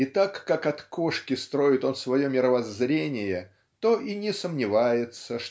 И так как от кошки строит он свое мировоззрение то и не сомневается